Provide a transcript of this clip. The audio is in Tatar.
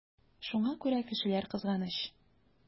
Шуңа күрә кешеләр кызганыч.